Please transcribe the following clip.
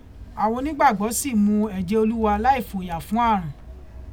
Àwọn onígbàgbọ́ sì mu ẹ̀jẹ̀ Olúwa láì fòyà fún ààrùn